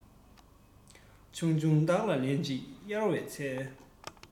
ཆུང ཆུང བདག ལ ལེན ཅིག གཡར བར འཚལ